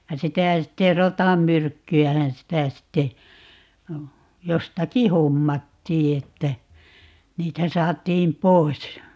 ja sitä sitten rotanmyrkkyähän sitä sitten jostakin hommattiin että niitä saatiin pois